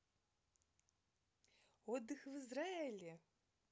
отдых в израиле